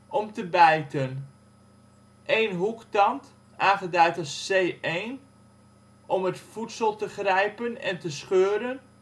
om te bijten, 1 hoektand (aangeduid als C1), om het voedsel te grijpen en te scheuren